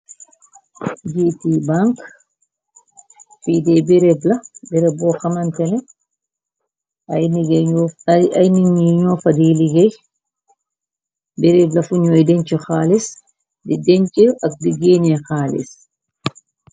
Giiti bank fiide breb la, béreeb bo xamantene ay nit yi ñoo fadee liggéey. Biréeb la fu ñooy denche xaalis di denche ak di géeni xaalis.